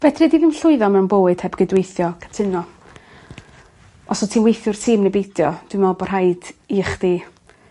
Fedri di ddim llwyddo mewn bywyd heb gydweithio cytuno os wt ti'n weithiwr tîm neu beidio dwi me'wl bo' rhaid i chdi